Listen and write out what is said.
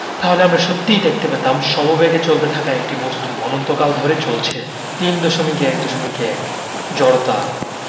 তাহলে আমরা সত্যিই দেখতে পেতাম সমবেগে চলতে থাকা একটা বস্তু অনন্তকাল ধরে চলছে ৩.১.১ জড়তা